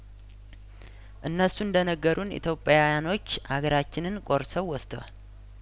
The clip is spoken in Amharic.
እነሱ እንደነገሩን ኢቶጵያኖች አገራችንን ቆርሰው ወስደዋል